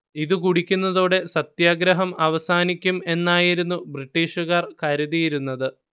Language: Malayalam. ഇതു കുടിക്കുന്നതോടെ സത്യാഗ്രഹം അവസാനിക്കും എന്നായിരുന്നു ബ്രിട്ടീഷുകാർ കരുതിയിരുന്നത്